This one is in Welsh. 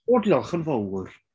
O diolch yn fawr.